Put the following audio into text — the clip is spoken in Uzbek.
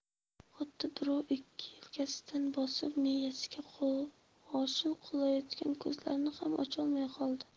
xuddi birov ikki yelkasidan bosib miyasiga qo'rg'oshin quyayotganday ko'zlarini ham ocholmay qoldi